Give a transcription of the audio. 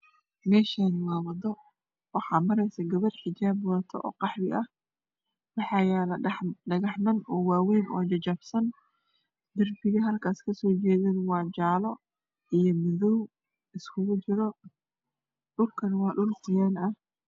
Meshani waa wado waxaa mari gabar xijab qalin wadata waxaa yala dhax xaan wawayn oo jajabsan derbigana waa jalo iyo madow